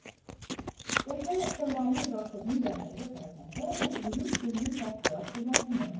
o'sha samoviy rohibning gaplariga qaraganda u buyuk ilmiy kashfiyot qilgan emish